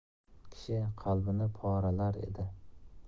kishi qalbini poralar edi